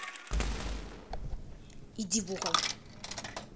иди в угол